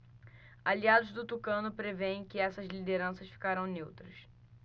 aliados do tucano prevêem que essas lideranças ficarão neutras